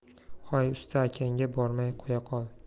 hoy usta akangga bormay qo'ya qol